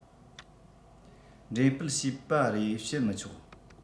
འགྲེམས སྤེལ བྱས པ རེད བྱེད མི ཆོག